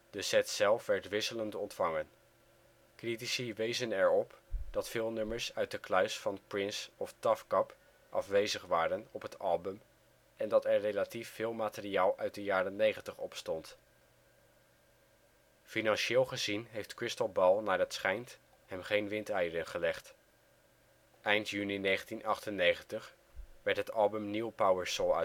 De set zelf werd wisselend ontvangen. Critici wezen er op dat veel nummers uit de kluis van Prince/TAFKAP afwezig waren op het album en dat er relatief veel materiaal uit de jaren negentig op stond. Financieel gezien heeft Crystal Ball naar het schijnt hem geen windeieren gelegd. Eind juni 1998 werd het album Newpower Soul